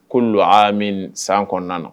Ko don a min san kɔnɔna na